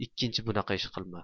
ikkinchi bunaqa ish qilma